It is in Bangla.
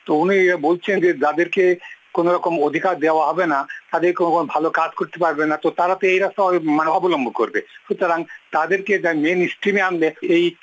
তো উনি বলছেন যাদেরকে কোনো রকম অধিকার দেওয়া হবে না তাদেরকে ওরকম ভালো কাজ করতে পারবে না তো তারা তো এই রাস্তা মানে অবলম্বন করবে সুতরাং তাদেরকে মেইনস্ট্রিম এ আনলে এই